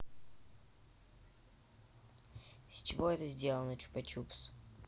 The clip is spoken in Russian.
из чего это сделано чупа чупс